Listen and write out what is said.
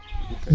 ahakay